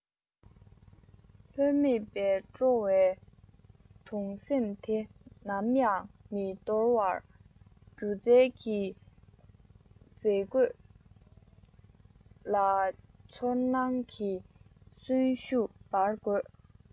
ལྷོད མེད པའི སྤྲོ བའི དུངས སེམས དེ ནམ ཡང མི འདོར བར སྒྱུ རྩལ གྱི མཛེས བཀོད ལ ཚོར སྣང གི གསོན ཤུགས སྦར དགོས